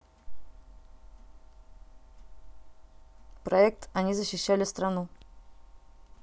проект они защищали страну